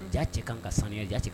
Ja cɛ ka kan ka sanu ja cɛ ka